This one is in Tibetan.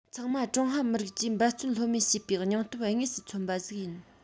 ཚང མ ཀྲུང ཧྭ མི རིགས ཀྱིས འབད བརྩོན ལྷོད མེད བྱས པའི སྙིང སྟོབས དངོས སུ མཚོན པ ཞིག ཡིན